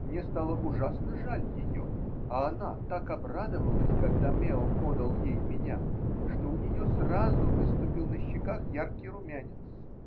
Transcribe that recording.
Мне стало ужасно жаль ее, а она так обрадовалась, когда Мео подал ей меня, что у нее сразу выступил на щеках яркий румянец.